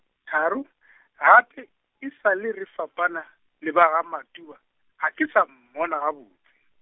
tharo , gape e sa le re fapana, le ba ga Matuba, ga ke sa mmona gabotse.